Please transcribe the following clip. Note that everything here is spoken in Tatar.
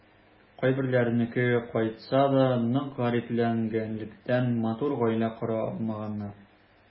Кайберләренеке кайтса да, нык гарипләнгәнлектән, матур гаилә кора алмаганнар.